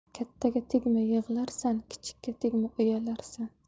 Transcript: kattaga tegma yig'larsan kichikka tegma uyalarsan